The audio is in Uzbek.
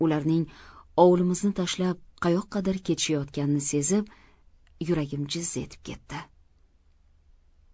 ularning ovulimizni tashlab qayoqqadir ketishayotganini sezib yuragim jiz etib ketdi